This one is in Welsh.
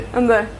Yndi.